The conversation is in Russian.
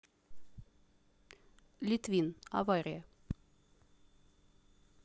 литвин авария